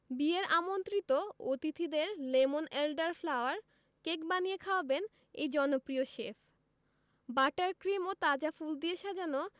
বিয়ের আমন্ত্রিত অতিথিদের লেমন এলডার ফ্লাওয়ার কেক বানিয়ে খাওয়াবেন এই জনপ্রিয় শেফ বাটার ক্রিম ও তাজা ফুল দিয়ে সাজানো